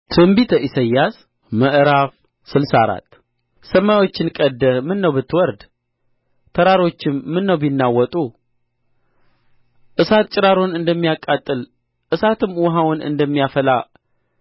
ትንቢተ ኢሳይያስ ምዕራፍ ስልሳ አራት ሰማዮችን ቀድደህ ምነው ብትወርድ ተራሮችም ምነው ቢናወጡ እሳት ጭራሮውን እንደሚያቃጥል እሳትም ውኃውን እንደሚያፈላ